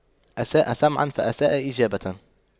أساء سمعاً فأساء إجابة